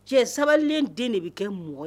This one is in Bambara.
Cɛ sabalilen den de bɛ kɛ mɔgɔ